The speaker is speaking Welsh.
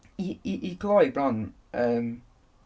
i, i, i gloi bron, yym...